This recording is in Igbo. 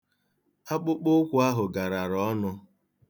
Akpụkpọụkwụ ahụ garara ọnụ.